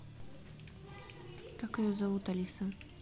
как ее зовут алиса